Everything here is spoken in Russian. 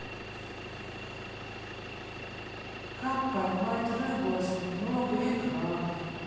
как поймать рыбу осьминога и краба